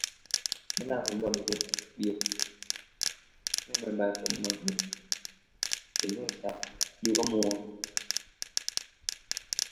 เวลาผมบ่ได้เฮ็ดเวียก ยามบ่ายบ่ายผมมักเฮ็ด เล่นโทรศัพท์อยู่กับหมู่ครับ